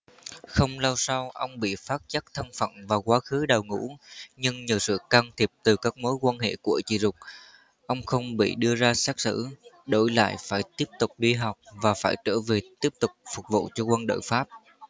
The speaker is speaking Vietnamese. không lâu sau ông bị phát giác thân phận và quá khứ đào ngũ nhưng nhờ sự can thiệp từ các mối quan hệ của chị ruột ông không bị đưa ra xét xử đổi lại phải tiếp tục đi học và phải trở về tiếp tục phục vụ cho quân đội pháp